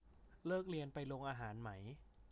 เลิกเรียนไปโรงอาหารมั้ย